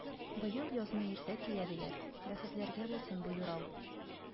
Быел язны иртә килә, диләр, бәхетләргә булсын бу юрау!